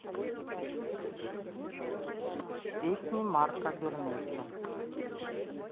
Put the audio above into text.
песни марка бернеса